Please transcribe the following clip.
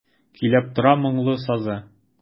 Көйләп тора моңлы сазы.